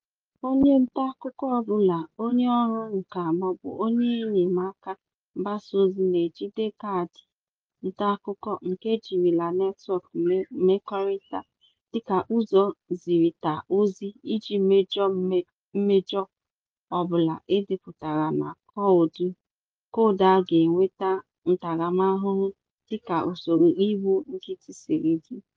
Onye ntaakụkọ ọbụla, onyeọrụ nkà maọbụ onye enyemaka mgbasaozi na-ejide kaadị ntaakụkọ nke jirila netwọk mmekọrịta dịka ụzọ nzirịta ozi iji mejọọ mmejọ ọbụla e depụtara na koodu a ga-enweta ntaramahụhụ dịka usoro iwu nkịtị siri dị.